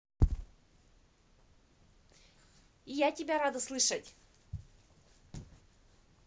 и я тебя рада слышать